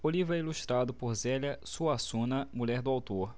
o livro é ilustrado por zélia suassuna mulher do autor